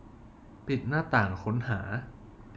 ปิดหน้าต่างค้นหา